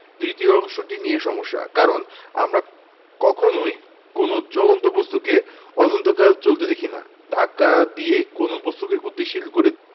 দ্বিতীয় অংশটি নিয়ে সমস্যা কারণ আমরা কখনোই কোনো চলন্ত বস্তুকে অনন্তকাল চলতে দেখি না ধাক্কা দিয়ে কোনো বস্তুকে গতিশীল করে